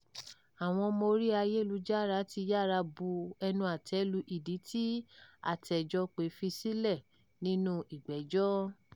Àwọn ọmọ orí ayélujára ti yára bu ẹnu àtẹ́ lu ìdí tí àtẹ́jọ́pè fi sílẹ̀ nínú ìgbẹ́jọ́.